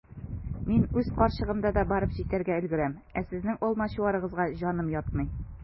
Мин үз карчыгымда да барып җитәргә өлгерәм, ә сезнең алмачуарыгызга җаным ятмый.